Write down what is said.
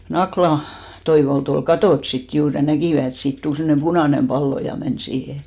ja Nakkilan Toivolta oli katsottu sitten juuri ja näkivät että siitä tuli semmoinen punainen pallo ja meni siihen